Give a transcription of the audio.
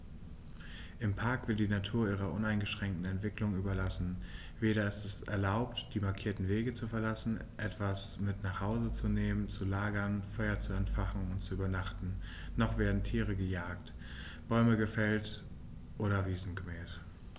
Im Park wird die Natur ihrer uneingeschränkten Entwicklung überlassen; weder ist es erlaubt, die markierten Wege zu verlassen, etwas mit nach Hause zu nehmen, zu lagern, Feuer zu entfachen und zu übernachten, noch werden Tiere gejagt, Bäume gefällt oder Wiesen gemäht.